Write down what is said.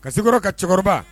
Ka se kɔrɔ ka cɛkɔrɔba